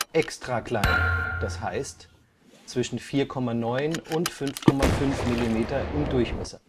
extraklein: zwischen 4,9 und 5,5 mm im Durchmesser